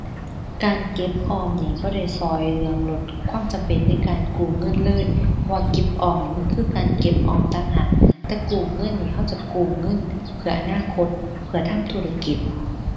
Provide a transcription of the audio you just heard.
การเก็บออมนี้บ่ได้ช่วยเรื่องลดความจำเป็นในการกู้เงินเลย เพราะว่าเก็บออมนี่มันคือการเก็บออมต่างหาก แต่กู้เงินนี่ช่วยจะกู้เงินเพื่ออนาคต เพื่อทำธุรกิจ